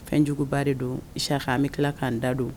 Fɛnjuguba de don i an bɛ tila k'an da don